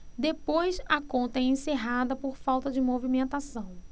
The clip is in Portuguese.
depois a conta é encerrada por falta de movimentação